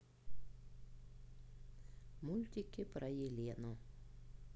мультики про елену